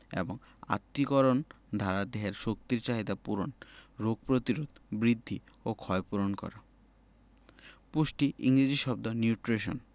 এবং আত্তীকরণ দ্বারা দেহের শক্তির চাহিদা পূরণ রোগ প্রতিরোধ বৃদ্ধি ও ক্ষয়পূরণ করা পুষ্টির ইংরেজি শব্দ নিউট্রিশন